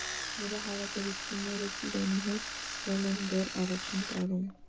Նրա հարաբերությունները Ծիրանի հետ սկսվել են դեռ առաջին տարում։